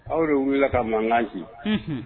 Aw de wele ka mankanka ye h